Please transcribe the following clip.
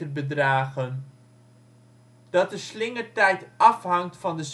bedragen. Dat de slingertijd afhangt van de